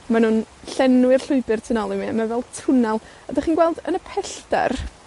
ma' nw'n llenwi'r llwybyr tu nôl i mi, a mae fel twnnel. Ydych chi'n gweld yn y pelltar,